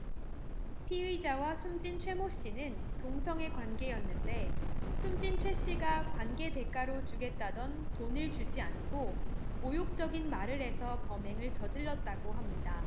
피의자와 숨진 최 모씨는 동성애 관계였는데 숨진 최씨가 관계 대가로 주겠다던 돈을 주지 않고 모욕적인 말을 해서 범행을 저질렀다고 합니다